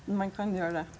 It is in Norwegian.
ein kan gjera det.